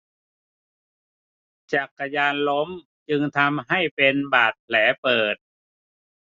จักรยานล้มจึงทำให้เป็นบาดแผลเปิด